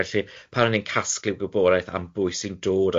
Felly, pan o'n i'n casglu'r gwybodaeth am bwy sy'n dod ag ati